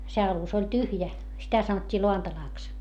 se alus oli tyhjä sitä sanottiin lantalaksi